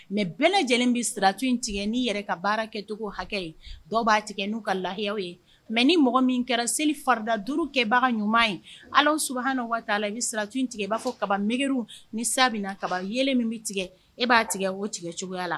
Mɛ bɛɛ lajɛlen bɛ siratu in tigɛ n'i yɛrɛ ka baara kɛcogo hakɛ dɔw b'a tigɛ n'u ka lahiw ye mɛ ni mɔgɔ min kɛra seli farida duuru kɛ bagan ɲuman ye ala su waati t'a la i bɛ siratu in tigɛ i b'a fɔ kabamge ni sa na kaba ye min bɛ tigɛ e b'a tigɛ o tigɛ cogoya la